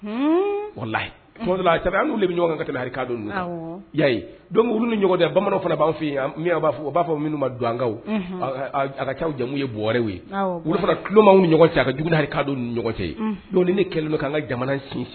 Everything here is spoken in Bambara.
O bɛ ɲɔgɔn ka ya ni ɲɔgɔn bamanan fana b'a fɔ yen b'a u b'a fɔ minnu don ankaw ka cɛw jamu ye buɔrɛw ye fana tuloloma ɲɔgɔn cɛ ka don ni ɲɔgɔn cɛ don ni kɛlen don ka an ka jamana sin